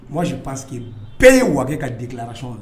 Wasi pa queseke que bɛɛ ye wa ka dilarati